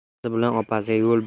onasi bilan opasiga yo'l